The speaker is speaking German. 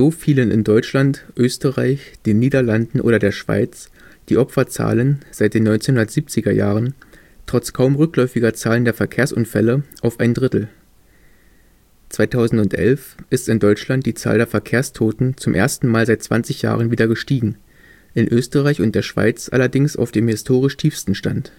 fielen in Deutschland, Österreich, den Niederlanden oder der Schweiz die Opferzahlen seit den 1970er-Jahren, trotz kaum rückläufiger Zahlen der Verkehrsunfälle, auf ein Drittel. 2011 ist in Deutschland die Zahl der Verkehrstoten zum ersten Mal seit 20 Jahren wieder gestiegen, in Österreich und der Schweiz allerdings auf dem historisch tiefsten Stand